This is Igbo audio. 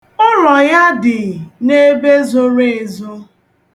Ụlọ ya dị n'ebe zoro ezo.